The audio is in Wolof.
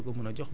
dëgg la